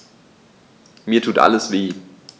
Mir tut alles weh.